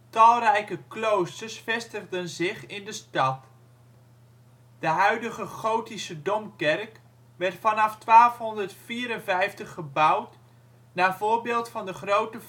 Talrijke kloosters vestigden zich in de stad. De huidige gotische Domkerk werd vanaf 1254 gebouwd naar voorbeeld van de grote